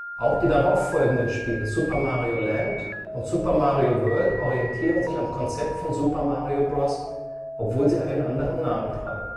Auch die darauffolgenden Spiele Super Mario Land und Super Mario World orientieren sich am Konzept von Super Mario Bros., obgleich sie einen anderen Namen tragen. Ab